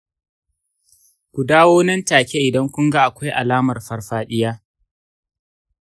ku dawo nan take idan kun ga akwai alamar farfaɗiya .